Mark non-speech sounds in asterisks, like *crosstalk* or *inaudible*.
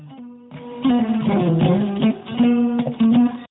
*music*